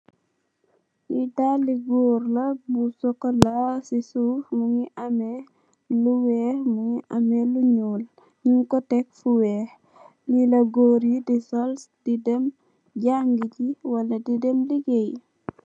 Li daali goor la bu chocola si suuf mogi ame lu weex mogi ame lu nuul nyun ko tex fu weex li la goori di sol di dem jànge gi wala de dem legaye.